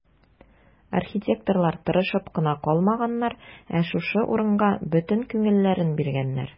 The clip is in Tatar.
Архитекторлар тырышып кына калмаганнар, ә шушы урынга бөтен күңелләрен биргәннәр.